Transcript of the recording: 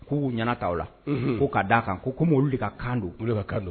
K'u'u ɲɛna'aw la ko k' d'a kan ko komi' oluolu de ka kan don ka kan don